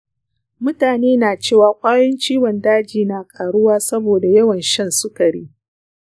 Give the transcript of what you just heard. mutane na cewa ƙwayoyin ciwon daji na ƙaruwa saboda yawan shan sukari.